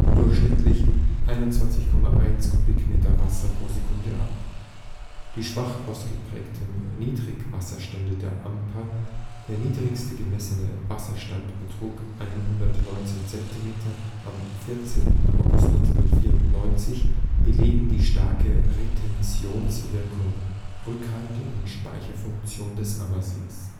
durchschnittlich 21,1 m³ Wasser pro Sekunde ab. Die schwach ausgeprägten Niedrigwasserstände der Amper – der niedrigste gemessene Wasserstand betrug 119 cm am 14. August 1994 – belegen die starke Retentionswirkung (Rückhalte - und Speicherfunktion) des Ammersees